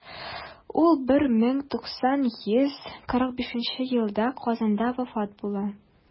Ул 1945 елда Казанда вафат була.